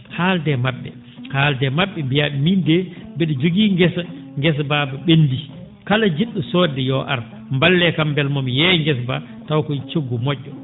haaldu e ma??e haaldu e ma??e mbiyaa?e miin dee mbe?a jogii ngesa ngesa mbaa ?enndi kala ji??o soodde yo ar mballee kam mbele mo mi yeeyi gesa mba taw koye coggu mo??o